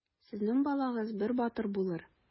Сезнең балагыз бер батыр булыр.